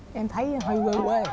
em thấy hơi quê quê